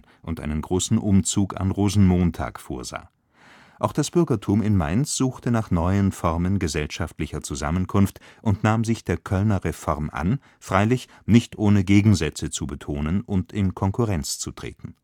und einen großen Umzug an Rosenmontag vorsah. Auch das Bürgertum in Mainz suchte nach neuen Formen gesellschaftlicher Zusammenkunft und nahm sich der Kölner Reform an, freilich nicht ohne Gegensätze zu betonen und in Konkurrenz zu treten